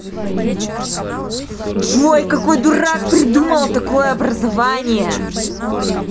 джой какой дурак придумал такое образование